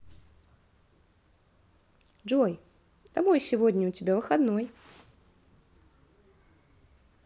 джой домой сегодня у тебя выходной